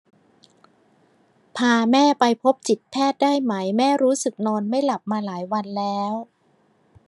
พาแม่ไปพบจิตแพทย์ได้ไหมแม่รู้สึกนอนไม่หลับมาหลายวันแล้ว